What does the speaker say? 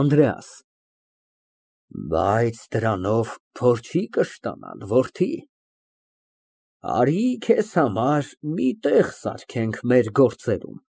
ԱՆԴՐԵԱՍ ֊ Բայց դրանով փոր չի կշտանալ, որդի, արի քեզ համար մի տեղ սարքենք մեր գործերում։